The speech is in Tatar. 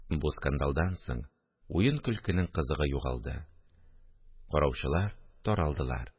Бу скандалдан соң уен-көлкенең кызыгы югалды, караучылар таралдылар